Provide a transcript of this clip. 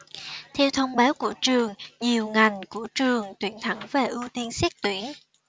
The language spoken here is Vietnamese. theo thông báo của trường nhiều ngành của trường tuyển thẳng và ưu tiên xét tuyển